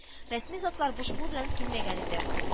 Рәсми затлар буш кул белән килмәгән иде